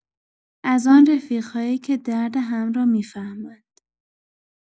از آن رفیق‌هایی که درد هم را می‌فهمند.